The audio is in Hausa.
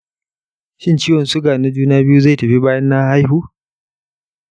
shin ciwon suga na juna biyu zai tafi bayan na haihu?